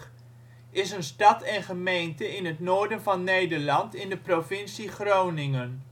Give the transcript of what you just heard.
is een stad en gemeente in het noorden van Nederland, in de provincie Groningen